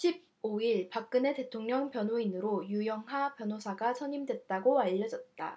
십 오 일 박근혜 대통령 변호인으로 유영하 변호사가 선임됐다고 알려졌다